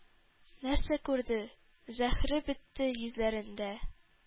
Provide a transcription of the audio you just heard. Нәрсә күрде?! — Зәһре бетте йөзләрендә,